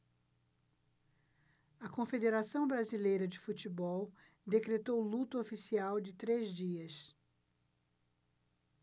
a confederação brasileira de futebol decretou luto oficial de três dias